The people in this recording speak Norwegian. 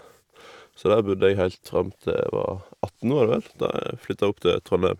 Så der bodde jeg heilt fram til jeg var atten, var det vel, da jeg flytta opp til Trondheim.